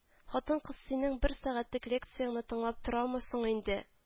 Хатын-кыз синең бер сәгатьлек лекцияңне тыңлап торамы соң инде